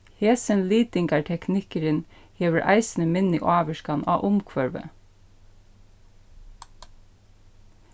hesin litingarteknikkurin hevur eisini minni ávirkan á umhvørvið